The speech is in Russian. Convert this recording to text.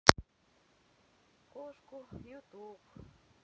кошку ютуб